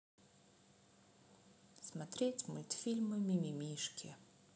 смотреть мультфильм мимимишки